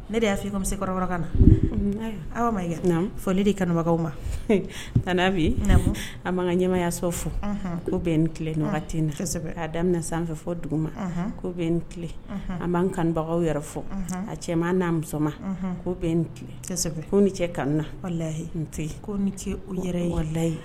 Ne de y'a i ka se na aw aw ma kat fɔlen de kanubagaw ma'a bi a b'an ka ɲɛmayaso fo ko bɛn nin tile ten a daminɛ fɔ dugu ma ko bɛ n tile a b'an kanubagaw yɛrɛ fɔ a cɛ n'a muso ko bɛn n ni cɛ kanula n tɛ ko ni ce u yɛrɛ yela ye